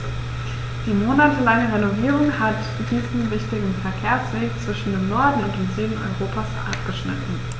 Die monatelange Renovierung hat diesen wichtigen Verkehrsweg zwischen dem Norden und dem Süden Europas abgeschnitten.